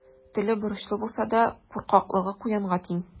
Теле борычлы булса да, куркаклыгы куянга тиң.